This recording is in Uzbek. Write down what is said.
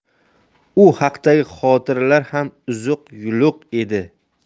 u haqdagi xotiralar ham uzuq yuluq edi